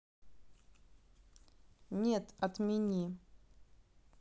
нет отмени